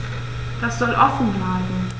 Das soll offen bleiben.